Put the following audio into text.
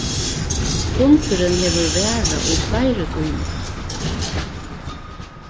fundurin hevur varað í fleiri tímar